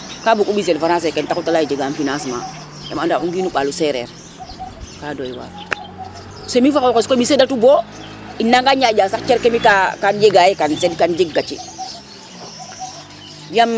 ka bug u mbisel France e ten taxu te leyaye jegam financement yam anda ye o ŋino ɓal o sereerka doy waar so mifo xoxes mi sedatu bo u nanga ñaƴa sax cerke mi kam yega ye kam sed kam jeg gaci